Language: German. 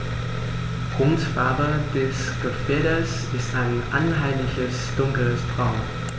Grundfarbe des Gefieders ist ein einheitliches dunkles Braun.